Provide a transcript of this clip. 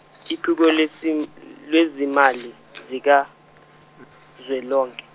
uPhiko lesim-, lwezimali zikaZwelonke.